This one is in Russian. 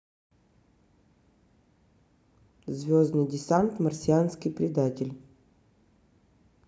звездный десант марсианский предатель